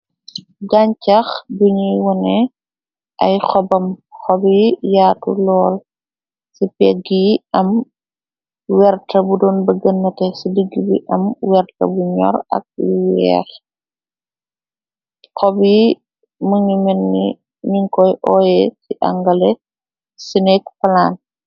Gañcax biñuy wone ay xobam xobi yi yaatu lool ci pégg yi am werta bu doon ba gënnate ci digg bi am werta bu ñor ak y weex xobi mënu menne niñ koy ooye ci angale sinek palaan.